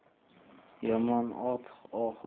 yomon ot oxur buzar